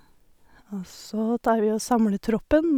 Og så tar vi og samler troppen.